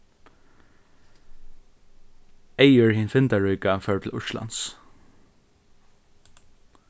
eyður hin findarríka fór til íslands